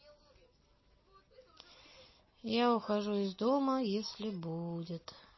я ухожу из дома если будет